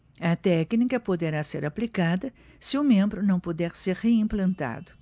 a técnica poderá ser aplicada se o membro não puder ser reimplantado